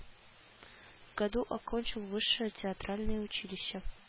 В году окончил высшее театральное училище